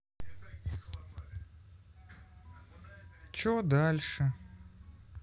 че дальше